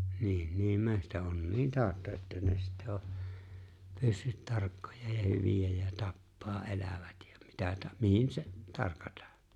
niin niin metsäonnien tautta että ne sitten on pyssyt tarkkoja ja hyviä ja tappaa elävät ja mitä - mihin se tarkataan